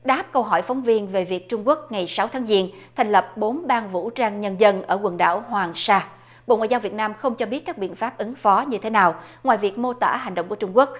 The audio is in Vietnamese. đáp câu hỏi phóng viên về việc trung quốc ngày sáu tháng giêng thành lập bốn ban vũ trang nhân dân ở quần đảo hoàng sa bộ ngoại giao việt nam không cho biết các biện pháp ứng phó như thế nào ngoài việc mô tả hành động của trung quốc